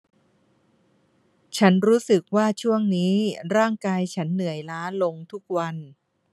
ฉันรู้สึกว่าช่วงนี้ร่างกายฉันเหนื่อยล้าลงทุกวัน